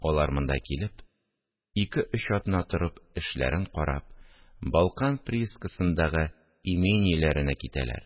Алар, монда килеп, ике-өч атна торып, эшләрен карап, «Балкан» приискасындагы имениеләренә китәләр